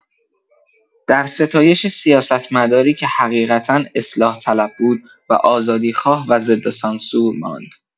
در ستایش سیاستمداری که حقیقتا اصلاح‌طلب بود و آزادیخواه و ضد سانسور ماند.